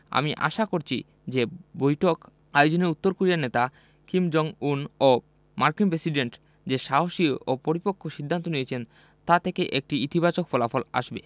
আমি আশা করছি যে বৈঠক আয়োজনে উত্তর কোরীয় নেতা কিম জং উন ও মার্কিন প্রেসিডেন্ট যে সাহসী ও পরিপক্ব সিদ্ধান্ত নিয়েছেন তা থেকে একটি ইতিবাচক ফলাফল আসবে